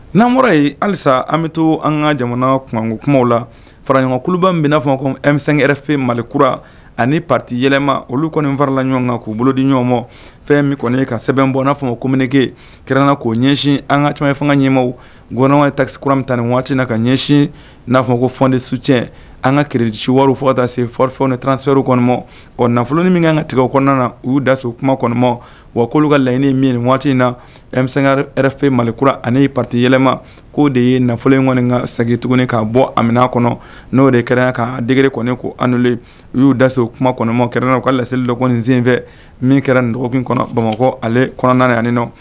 'an fɔra yen halisa an bɛ to an ka jamana tumaku kumaw la faraɲɔgɔnkuluba bɛnaa fɔ ko emisɛn fɛ mali kurakura ani patiyɛlɛma olu kɔni farila ɲɔgɔn kan k'u bolo di ɲɔgɔnma fɛn min kɔni ka sɛbɛnbɛn bɔ n'a fɔ ma ko mege kɛrarɛn na k'o ɲɛsin an ka ca ye fanga ɲɛmaw g takisi kurame tan ni waati na ka ɲɛsin n'a fɔ ko fɔdi suc an ka kiiridisiwaraw fota sefɛnw transɛri kɔnɔ ɔ nafolo min kan katigɛ kɔnɔna na u'u daso kuma kɔnɔma wa k'olu ka laɲiniini min nin waati in na e fɛ malikura ani patiyɛlɛma k'o de ye nafolo in kɔni ka segin tuguni k kaa bɔ a min kɔnɔ n'o de kɛrɛn kan degeg kɔni' an u y'u dase kuma kɔnɔma kɛrɛn naw ka laseli lak senfɛ min kɛra nin dɔgɔkun kɔnɔ bamakɔ ale kɔnɔna yan nɔ